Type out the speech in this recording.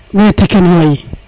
ndeti kene way